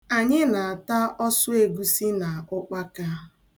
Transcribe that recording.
Anyị na-ata ọsụegusi na ụkpaka.